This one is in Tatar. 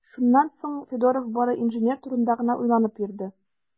Шуннан соң Федоров бары инженер турында гына уйланып йөрде.